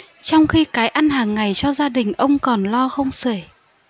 trong khi cái ăn hàng ngày cho gia đình ông còn lo không xuể